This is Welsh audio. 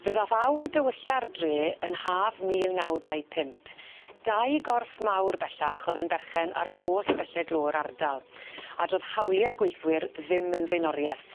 Fe ddath awr dywylla'r dre yn haf mil naw dau pump dau gorff mawr bellach o'dd yn berchen ar holl bylle glo'r ardal a do'dd hawlie'r gweithwyr ddim yn flaenorieth.